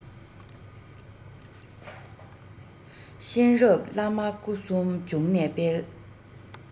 གཤེན རབ བླ མ སྐུ གསུམ འབྱུང གནས དཔལ